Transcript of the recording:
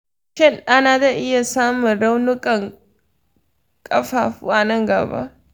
shin ɗana zai iya samun raunukan ƙafafu a nan gaba?